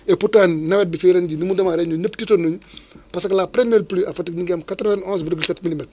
et pourtant nawet bi fii ren jii ni mu démarré ñun ñëpp tiitoon nañu parce que la première pluie à Fatick ñu ngi am 91 virgule 7 milimètres